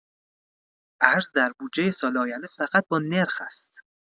ارز در بودجه سال آینده فقط با نرخ است.